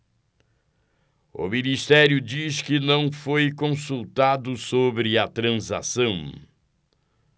o ministério diz que não foi consultado sobre a transação